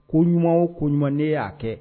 Ko ɲuman koɲuman ɲuman ne y'a kɛ